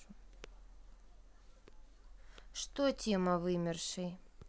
что тема вымерший